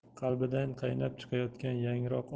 qalbidan qaynab chiqayotgan yangroq